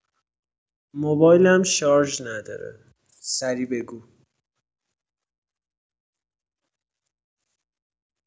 موبایلم شارژ نداره سریع بگو